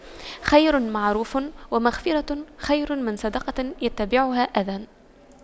قَولٌ مَّعرُوفٌ وَمَغفِرَةُ خَيرٌ مِّن صَدَقَةٍ يَتبَعُهَا أَذًى